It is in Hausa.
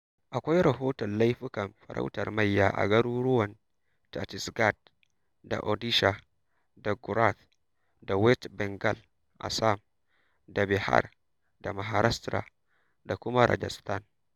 Akwai rahoton laifukan farautar mayya a garuruwan Chattisgarh da Odisha da Gujarat da West Bengal Assam da Bihar da Maharashtra da kuma Rajasthan.